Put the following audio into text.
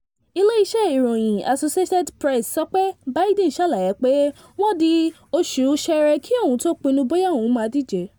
Ilé iṣẹ́ ìròyìn Associated Press sọ pé Biden ṣàlàyé pé wọ́n di January kí òun tó pinnu bóyá òun máa díje.